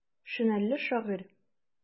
Шинельле шагыйрь.